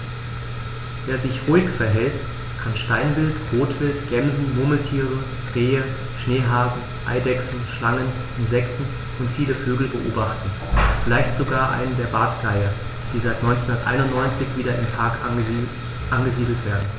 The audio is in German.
Wer sich ruhig verhält, kann Steinwild, Rotwild, Gämsen, Murmeltiere, Rehe, Schneehasen, Eidechsen, Schlangen, Insekten und viele Vögel beobachten, vielleicht sogar einen der Bartgeier, die seit 1991 wieder im Park angesiedelt werden.